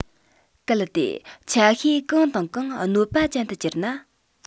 གལ ཏེ ཆ ཤས གང དང གང གནོད པ ཅན དུ གྱུར ན